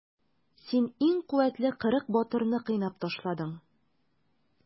Син иң куәтле кырык батырны кыйнап ташладың.